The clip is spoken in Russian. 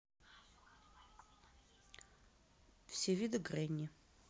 все виды гренни